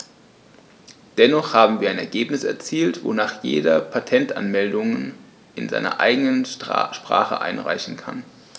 Dennoch haben wir ein Ergebnis erzielt, wonach jeder Patentanmeldungen in seiner eigenen Sprache einreichen kann.